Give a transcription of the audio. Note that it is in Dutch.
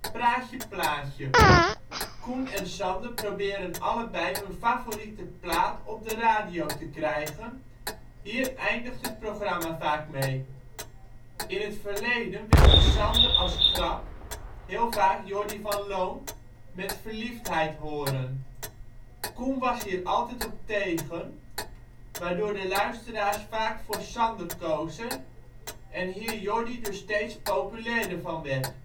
Praatje Plaatje (Coen en Sander proberen allebei hun favoriete plaat op de radio te krijgen, hier eindigt het programma vaak mee. In het verleden wilde Sander als grap heel vaak Jordy van Loon met Verliefdheid horen. Coen was hier altijd op tegen, waardoor de luisteraars vaak voor Sander kozen en hier Jordy dus steeds populairder van werd